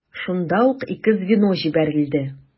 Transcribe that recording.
Шунда ук ике звено җибәрелде.